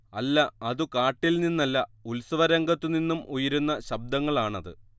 അല്ല അതു കാട്ടിൽ നിന്നല്ല ഉൽസവരംഗത്തുനിന്നും ഉയരുന്ന ശബ്ദങ്ങളാണത്